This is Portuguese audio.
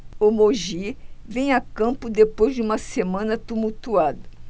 o mogi vem a campo depois de uma semana tumultuada